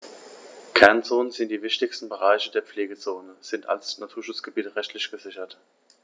Kernzonen und die wichtigsten Bereiche der Pflegezone sind als Naturschutzgebiete rechtlich gesichert.